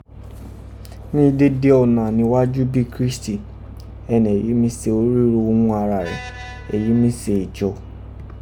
ni dede ọna niwaju bi Kirisiti, eni èyí mí se orígho ghún ara re, èyí mi se ijo.